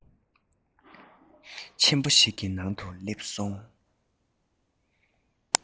ཆེན པོ ཞིག གི ནང དུ སླེབས སོང